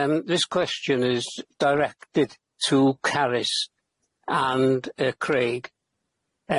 Yym this question is directed to Carys and yy Craig.